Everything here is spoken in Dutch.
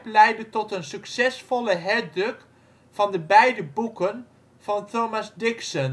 leidde tot een succesvolle herdruk van de beide boeken van Thomas Dixon